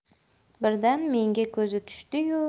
birdan menga ko'zi tushdi yu